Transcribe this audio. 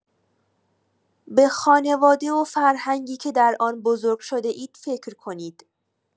به خانواده و فرهنگی که در آن بزرگ شده‌اید فکر کنید.